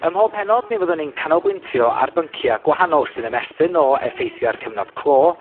Ym mhob pennod mi fyddwn ni'n canolbwyntio ar byncia' gwahanol sy'n ymestyn o effeithiau'r cyfnod clo